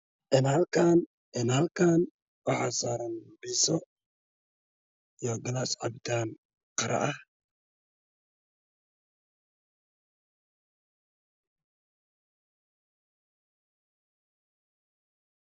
Waa sawir xayeysiis ah waxaa ii muuqda piisa midabkiisu yahay gaalo waxaa ag yaal cabitaan midabkiis yahay guduud oo ku jiro koob